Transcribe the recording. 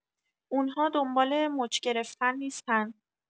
اون‌ها دنبال مچ گرفتن نیستن